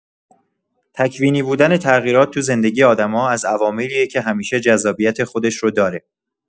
تکوینی بودن تغییرات تو زندگی آدما از عواملیه که همیشه جذابیت خودش رو داره.